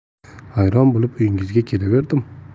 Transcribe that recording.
hayron bo'lib uyingizga kelaverdim